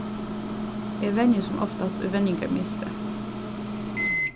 eg venji sum oftast í venjingarmiðstøð